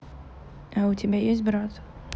а у тебя есть брат